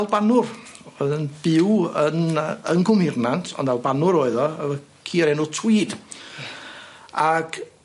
Albanwr oedd yn byw yn yy yn Gwmirnant on' Albanwr oedd o efo ci ar enw Tweed ag